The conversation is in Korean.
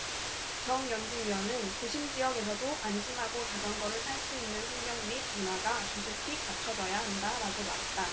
정 연구위원은 도심지역에서도 안심하고 자전거를 탈 수 있는 환경 및 문화가 조속히 갖춰줘야 한다라고 말했다